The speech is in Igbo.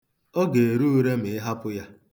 Ọ ga-ere ure ma ịhapụ ya.